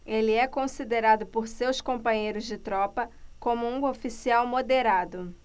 ele é considerado por seus companheiros de tropa como um oficial moderado